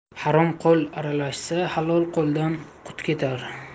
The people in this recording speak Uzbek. harom qo'l aralashsa halol qo'ldan qut ketar